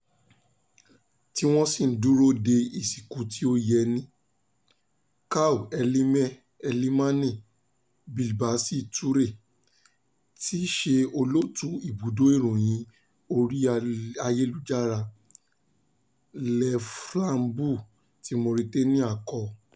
tí wọ́n ṣì ń dúró de ìsìnkú tí ó yẹni, Kaaw Elimane Bilbassi Toure tí í ṣe olóòtú ibùdó ìròyìn orí ayélujára Le Flambeau ti Mauritania kọ.